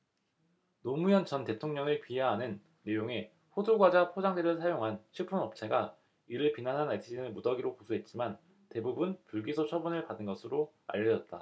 노무현 전 대통령을 비하하는 내용의 호두과자 포장재를 사용한 식품업체가 이를 비난한 네티즌을 무더기로 고소했지만 대부분 불기소 처분을 받은 것으로 알려졌다